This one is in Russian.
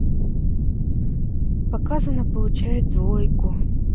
показано получает двойку